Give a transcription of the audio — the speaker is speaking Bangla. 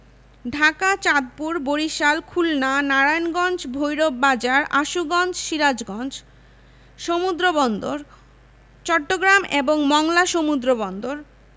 সড়কঃ সেতু ৪দশমিক ৮ কিলোমিটার দৈর্ঘ্যের দেশের দীর্ঘতম বঙ্গবন্ধু যমুনা বহুমুখী সেতু ১৯৯৮ সালের জুন মাসে উদ্বোধন করা হয়েছে